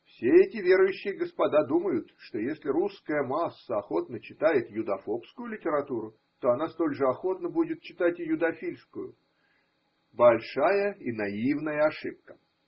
Все эти верующие господа думают, что если русская масса охотно читает юдофобскую литературу, она столь же охотно будет читать и юдофильскую. Большая и наивная ошибка.